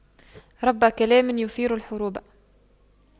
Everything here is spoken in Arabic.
رب كلام يثير الحروب